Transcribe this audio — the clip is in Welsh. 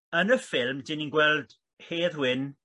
yn y ffilm 'dyn ni'n gweld Hedd Wyn